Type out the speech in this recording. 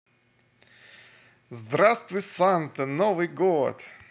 здравствуй санта новый год